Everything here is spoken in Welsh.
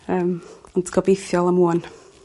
Yym ond gobeithio 'wan ŵan.